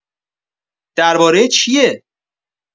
درباره چیه؟